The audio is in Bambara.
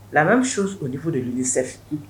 Lam o defu de wili sen